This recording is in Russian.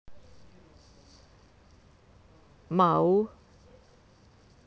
мау